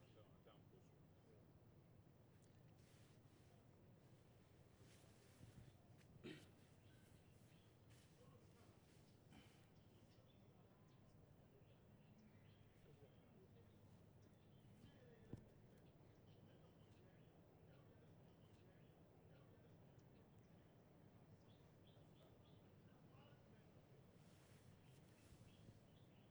a taara ni nin labɛn fɛn ninnu ye ka ta'o di mansakɛ ka mɔgɔw ma dangan da la aa faama ko sisan labɛn min fɔra o sɔrɔ la u taara n'oye segu ka sɔrɔ ka t'o de bara sisan ka mansakɛ weele a ka jufa kɔrɔ